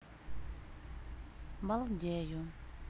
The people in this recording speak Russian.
балдею